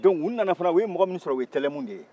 dɔnku u nana fana u ye mɔgɔ minnu sɔrɔ o ye tɛlɛmunw de ye